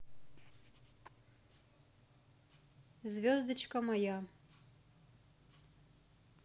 звездочка моя